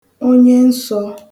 onyensọ̄